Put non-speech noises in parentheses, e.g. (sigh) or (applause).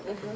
(hesitation) (hesitation)